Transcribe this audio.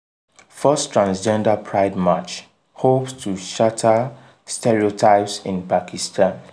First transgender pride march hopes to shatter stereotypes in Pakistan